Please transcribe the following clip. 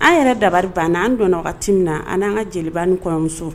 An yɛrɛ dabaliri banna an donna wagati min na an anan ka jeliba ni kɔɲɔmuso